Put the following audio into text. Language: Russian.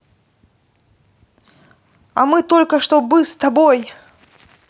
а мы только что бы с тобой